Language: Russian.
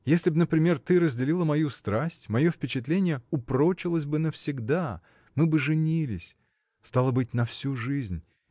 Если б, например, ты разделила мою страсть, мое впечатление упрочилось бы навсегда, мы бы женились. Стало быть — на всю жизнь.